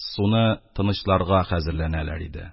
Суны тынычларга хәзерләнәләр иде.